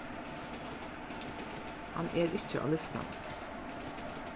hann er ikki á listanum